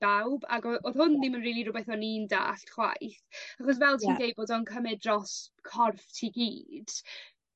bawb ag o- o'dd hwn ddim yn rili rwbeth o'n i'n d'allt chwaith. Achos fel ti'n... Ie. ...deud bod o'n cymyd dros corff ti gyd.